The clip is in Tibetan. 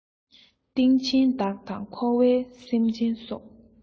སྡིག ཆེན བདག དང འཁོར བའི སེམས ཅན སོགས